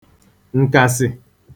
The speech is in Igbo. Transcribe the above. ǹkàsị̀